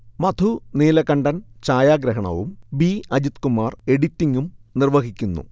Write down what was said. മധു നീലകണ്ഠൻ ഛായാഗ്രഹണവും ബി. അജിത്കുമാർ എഡിറ്റിങും നിർവഹിക്കുന്നു